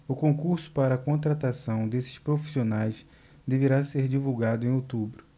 o concurso para contratação desses profissionais deverá ser divulgado em outubro